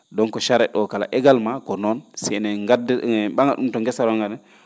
donc charette o kala également ko noon si enen ngadda ene ?a?a ?um to ngesa to ran